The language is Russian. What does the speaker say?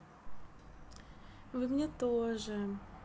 вы мне тоже